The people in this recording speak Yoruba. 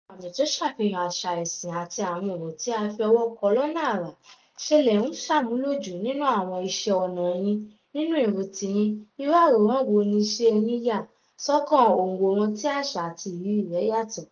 Bí àwọn àmì tó ṣàfihan àṣà/ẹ̀sìn àti àwọn ọ̀rọ̀ tí a fi ọwọ́ kọ lọ́nà àrà ṣe lẹ̀ ń ṣàmúlò jù nínú àwọn iṣẹ́ ọnà yín, nínú èrò tiyin, irú àwòrán wo ni iṣẹ́ yín ń yà sọ́kàn òǹwòrán tí àṣà àti ìrírí rẹ̀ yàtọ̀?